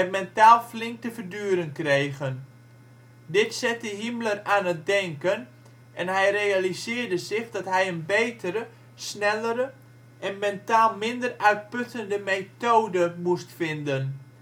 mentaal flink te verduren kregen. Dit zette Himmler aan het denken en hij realiseerde zich dat hij een betere, snellere en mentaal minder uitputtende methode moest vinden. SS-Leutnant